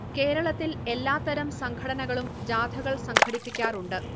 കേരളത്തിൽ എല്ലാ തരം സംഘടനകളും ജാഥകൾ സംഘടിപ്പിക്കാറുണ്ട്